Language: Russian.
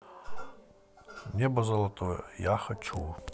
небо золотое я хочу